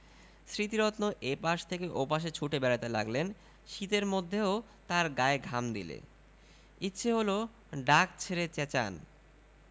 স্মৃতিরত্ন এ পাশ থেকে ও পাশে ছুটে বেড়াতে লাগলেন শীতের মধ্যেও তাঁর গায়ে ঘাম দিলে ইচ্ছে হলো ডাক ছেড়ে চেঁচান